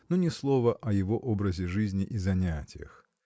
но ни слова о его образе жизни и занятиях.